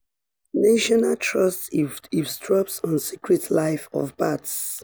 National Trust eavesdrops on secret life of bats